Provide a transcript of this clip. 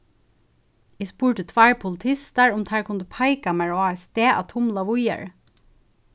eg spurdi tveir politistar um teir kundu peika mær á eitt stað at tumla víðari